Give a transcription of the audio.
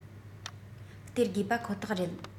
སྟེར དགོས པ ཁོ ཐག རེད